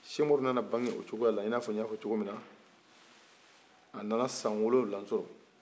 sɛkumaru nana bagen o cogo la i n'a n y'a fɔ cogo min na a nana san wolonwula sɔrɔ